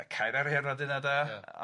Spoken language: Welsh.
a Caer Arianrhod yna de? Ia.